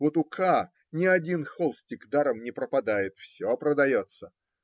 Вот у К. ни один холстик даром не пропадает: все продается.